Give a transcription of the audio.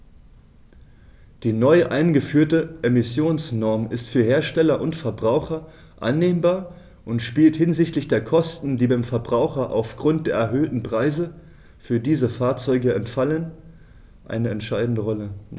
Die neu eingeführte Emissionsnorm ist für Hersteller und Verbraucher annehmbar und spielt hinsichtlich der Kosten, die beim Verbraucher aufgrund der erhöhten Preise für diese Fahrzeuge anfallen, eine entscheidende Rolle.